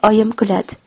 oyim kuladi